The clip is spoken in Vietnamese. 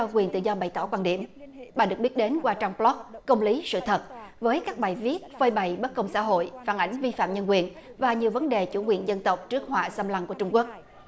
cho quyền tự do bày tỏ quan điểm bà được biết đến qua trang bờ lóc công lý sự thật với các bài viết phơi bày bất công xã hội phản ánh vi phạm nhân quyền và nhiều vấn đề chủ quyền dân tộc trước họa xâm lăng của trung quốc